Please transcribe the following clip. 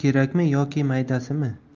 kerakmi yoki maydasimi